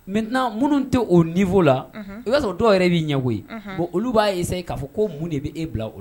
Maintenan minnu tɛ o niveau la, unhun, i b'a sɔrɔ dɔw yɛrɛ b'i ɲɛn koyi bon olu b'a essayer ka fɔ ko mun de bɛ e bila o la?